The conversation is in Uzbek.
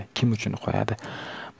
kim uchun qo'yadi